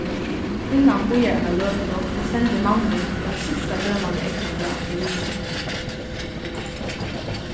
kvinnan bíðar eina løtu og sendir manninum eitt síðsta dømandi eygnabrá í ryggin